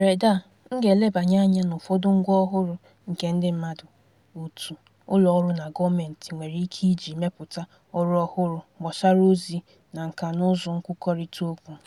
N'ederede a, m ga-elebanye anya n'ụfọdụ ngwá ọhụrụ nke ndị mmadụ, òtù, ụlọọrụ na gọọmenti nwere ike iji mepụta ọrụ ọhụrụ gbasara ozi na nkànaụzụ nkwukọrịta okwu.